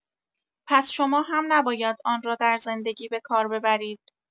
پس شما هم نباید آن را در زندگی به کار ببرید.